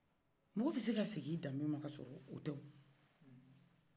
mɔgɔ bɛ se ka segi i dame ma ka sɔrɔ o t'o